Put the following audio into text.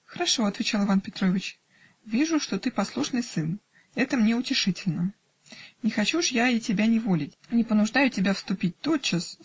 -- "Хорошо, -- отвечал Иван Петрович, -- вижу, что ты послушный сын это мне утешительно не хочу ж и я тебя неволить не понуждаю тебя вступить. тотчас.